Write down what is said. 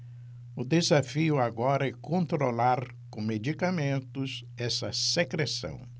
o desafio agora é controlar com medicamentos essa secreção